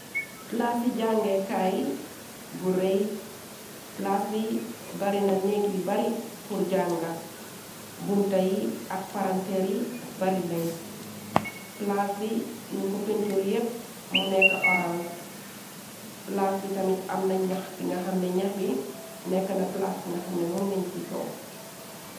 Plaas si jàngee kaay bu rëy, plaas bi bari na nekk yu bari pur jànga, bunta yi ak paranteer yi bari nañ, plaas bi ñun ko pintur yépp, mu nekk orange, plaas bi tamit am na ñax bi nga xamne ñax bi, nekka na plaas bi nga xamne mun nañ ci toog.